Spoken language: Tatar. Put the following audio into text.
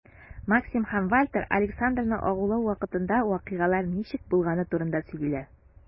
Максим һәм Вальтер Александрны агулау вакытында вакыйгалар ничек булганы турында сөйлиләр.